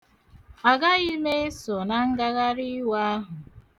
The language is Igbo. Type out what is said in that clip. Agaghị m eso na ngagharịiwe ahụ.